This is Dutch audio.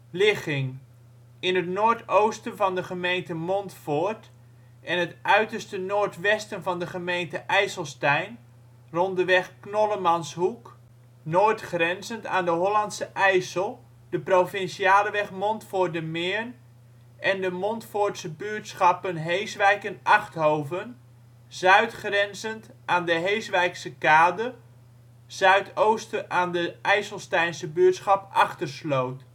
Ligging: In het noordoosten van de gemeente Montfoort en het uiterste noordwesten van de gemeente IJsselstein, rond de weg Knollemanshoek. Noord grenzend aan de Hollandsche IJssel, de Provinciale weg Montfoort - De Meern en de Montfoortse buurtschappen Heeswijk en Achthoven, zuid grensend aan de Heeswijksekade, zuidoosten aan de IJsselsteinse buurtschap Achtersloot